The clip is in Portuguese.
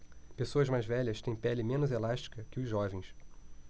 pessoas mais velhas têm pele menos elástica que os jovens